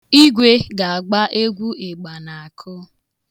Igwe ga-agba egwu ịgba na-akụ.